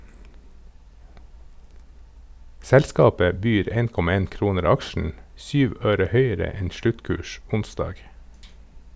Selskapet byr 1,1 kroner aksjen, syv øre høyere enn sluttkurs onsdag.